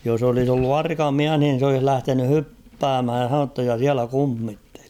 jos olisi ollut arka mies niin se olisi lähtenyt hyppäämään ja sanonut jotta ja siellä kummitteli